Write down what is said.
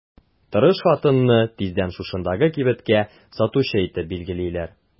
Тырыш хатынны тиздән шушындагы кибеткә сатучы итеп билгелиләр.